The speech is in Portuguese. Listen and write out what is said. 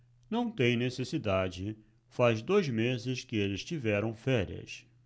não tem necessidade faz dois meses que eles tiveram férias